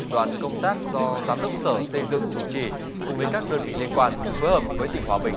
đoàn công tác do giám đốc sở xây dựng chủ trì cùng với các đơn vị liên quan phối hợp với tỉnh hòa bình